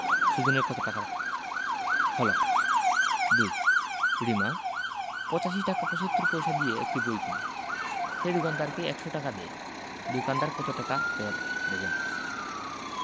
সুজনের কত টাকা হলো ২ রিমা ৮৫ টাকা ৭৫ পয়সা দিয়ে একটি বই কিনে সে দোকানদারকে ১০০ টাকা দেয় দোকানদার কত টাকা ফেরত দেবেন